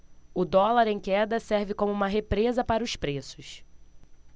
o dólar em queda serve como uma represa para os preços